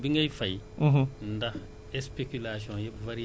donc ndax taux bi ngay fay